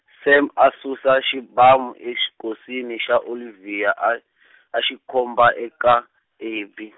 Sam a susa xibamu exikosini sa Olivia a , a xi komba eka, Abby.